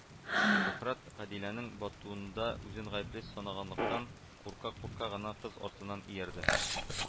Шөһрәт, Гадиләнең батуында үзен гаепле санаганлыктан, курка-курка гына кыз артыннан иярде